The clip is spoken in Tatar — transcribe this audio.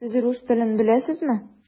Сез рус телен беләсезме?